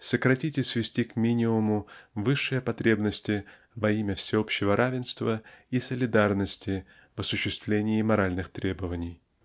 сократить и свести к минимуму высшие потребности во имя всеобщего равенства и солидарности в осуществлении моральных требований.